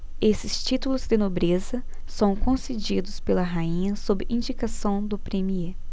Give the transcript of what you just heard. esses títulos de nobreza são concedidos pela rainha sob indicação do premiê